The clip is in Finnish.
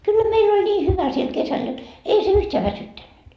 kyllä meillä oli niin hyvä siellä kesällä jotta ei se yhtään väsyttänyt